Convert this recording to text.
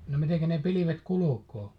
no miten ne pilvet kulkee